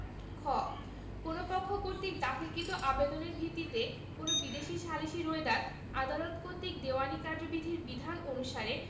খ কোন পক্ষ কর্তৃক দাখিলকৃত আবেদনের ভিত্তিতে কোন বিদেশী সালিসী রোয়েদাদ আদালত কর্তৃক দেওয়ানী কার্যিবিধির বিধান অনুসারে